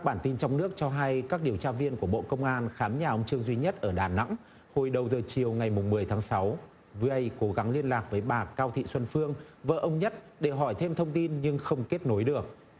bản tin trong nước cho hay các điều tra viên của bộ công an khám nhà ông trương duy nhất ở đà nẵng hồi đầu giờ chiều ngày mùng mười tháng sáu vi ây cố gắng liên lạc với bà cao thị xuân phương vợ ông nhất để hỏi thêm thông tin nhưng không kết nối được